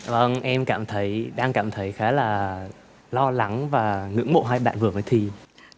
vâng em cảm thấy đang cảm thấy khá là lo lắng và ngưỡng mộ hai bạn vừa mới thi